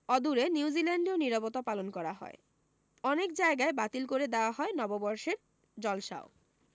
অদূরে নিউজিল্যান্ডেও নীরবতা পালন করা হয় অনেক জায়গায় বাতিল করে দেওয়া হয় নববর্ষের জলসাও